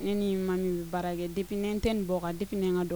Ne ni ma min bɛ baara kɛp n tɛ bɔ ka dip n ka don